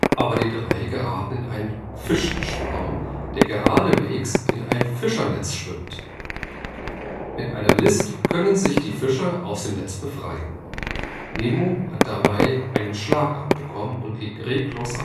Aber die drei geraten in einen Fischschwarm, der geradewegs in ein Fischernetz schwimmt. Mit einer List können sich die Fische aus dem Netz befreien. Nemo hat dabei einen Schlag abbekommen und liegt reglos